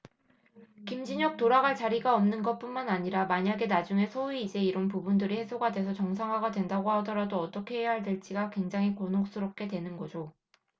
김진혁 돌아갈 자리가 없는 것뿐만 아니라 만약에 나중에 소위 이제 이런 부분들이 해소가 돼서 정상화가 된다고 하더라도 어떻게 해야 될지가 굉장히 곤혹스럽게 되는 거죠